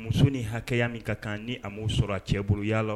Muso ni hakɛya min ka kan ni a m'o sɔrɔ a cɛuruya la